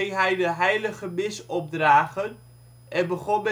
hij de heilige mis opdragen en begon